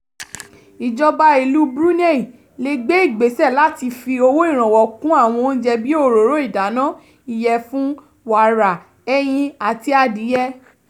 Ìjọba ìlú Brunei lè gbé ìgbésẹ̀ láti fi owó ìrànwọ́ kún àwọn oúnjẹ bíi òróró ìdáná, ìyẹ̀fun, wàrà, ẹyin àti adìẹ.